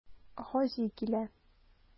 Гази килә.